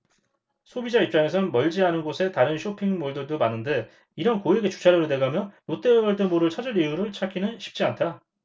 소비자 입장에선 멀지 않은 곳에 다른 쇼핑 몰들도 많은데 이런 고액의 주차료를 내가며 롯데월드몰을 찾을 이유를 찾기는 쉽지 않다